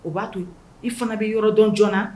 O b'a to i fana bɛ yɔrɔ dɔn joona na